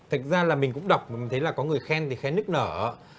thực ra là mình cũng đọc thấy là có người khen thì khen nức nở